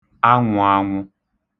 anwụ̄ānwụ̄